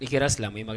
I kɛra silamɛ i ma